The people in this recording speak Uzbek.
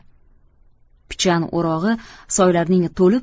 pichan o'rog'i soylarning to'lib